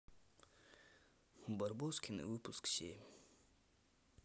барбоскины выпуск семь